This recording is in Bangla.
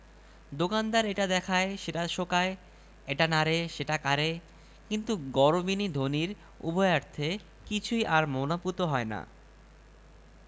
দোকানদার এটা দেখায় সেটা শোঁকায় এটা নাড়ে সেটা কাড়ে কিন্তু গরবিনী ধনীর উভয়ার্থে কিছুই আর মনঃপূত হয় না